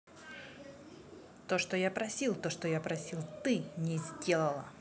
то что я просил то что я просил ты не сделала